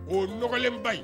O nɔgɔlen ba in